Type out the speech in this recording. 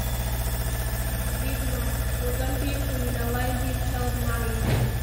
Read more: Mozambique criminalizes child marriage